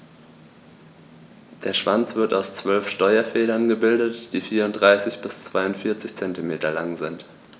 Der Schwanz wird aus 12 Steuerfedern gebildet, die 34 bis 42 cm lang sind.